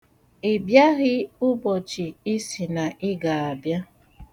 Ị bịaghị ụbọchị ị sị na ị ga-abịa.